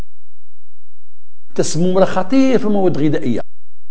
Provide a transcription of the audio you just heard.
تصميم خفيف مواد غذائيه